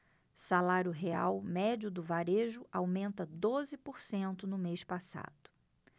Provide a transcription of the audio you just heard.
salário real médio do varejo aumenta doze por cento no mês passado